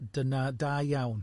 Dyna, da iawn.